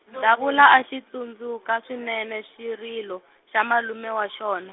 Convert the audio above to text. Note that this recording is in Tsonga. Davula a xi tsundzuka swinene xirilo, xa malume wa xona.